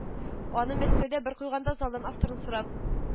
Аны мәскәүдә бер куйганда залдан авторны сорап